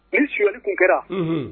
I ni suyali tun kɛra